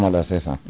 voilà c': fra est ça